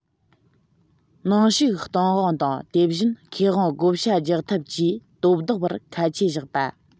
ནང བཤུག གཏོང དབང དང དེ བཞིན ཁེ དབང བགོ བཤའ རྒྱག ཐབས བཅས དོ བདག བར ཁ ཆད བཞག པ